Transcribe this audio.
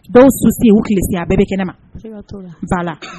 Dɔw si si u kilisi a bɛɛ bi kɛnɛma siga ta la. voilà